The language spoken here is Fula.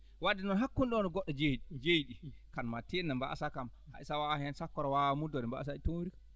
wadde noon hakkunde ɗoon e goɗɗo jeyi ɗi kam maa a tiinno mbaasaa kam hay so a waawaa heen kam sakkoro a waawaa heen muddore mbaasaa toñrude